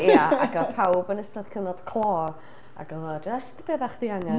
Ia, ac oedd pawb yn ystod cyfnod clo, ac oedd o jest be oeddach chdi angen.